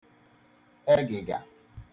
egị̀gà